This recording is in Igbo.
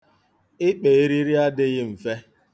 Ịkpa eriri adịghị mfe.